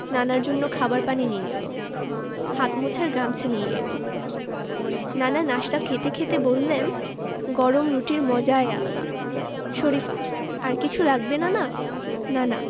নানার জন্য খাবার পানি নিয়ে এলো হাত মোছার গামছা নিয়ে এলো নানা নাশতা খেতে খেতে বললেন গরম রুটির মজাই আলাদা শরিফা আর কিছু লাগবে নানা নানা